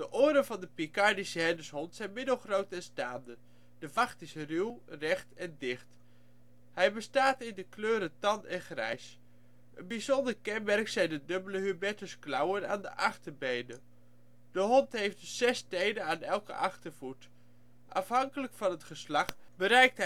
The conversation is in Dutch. oren van de Picardische herdershond zijn middelgroot en staande. De vacht is ruw, recht en dicht. Hij bestaat in de kleuren tan en grijs. Een bijzonder kenmerk zijn de dubbele hubertusklauwen aan de achterbenen. De hond heeft dus zes tenen aan elke achtervoet. Afhankelijk van het geslacht bereikt